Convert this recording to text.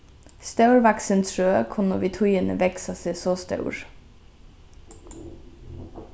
stórvaksin trø kunnu við tíðini vaksa seg so stór